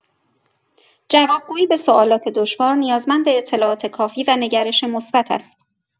جوابگویی به سوالات دشوار نیازمند اطلاعات کافی و نگرش مثبت است.